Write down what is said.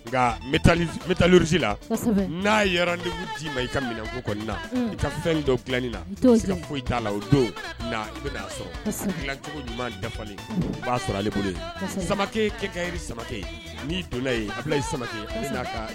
Nka si la n'a yɛrɛi ma i ka minɛn ka fɛnin la o don icogo ɲuman dafa o b'a sɔrɔ ale samakɛ kɛkɛ bɛ sabakɛ ye n' donna fula sama